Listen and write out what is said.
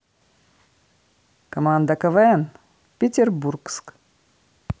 команда квн петербургск